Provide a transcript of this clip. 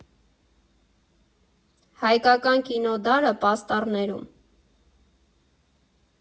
Հայկական կինոդարը պաստառներում։